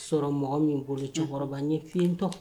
Sɔrɔ mɔgɔ min bolo cɛkɔrɔba ye fitɔ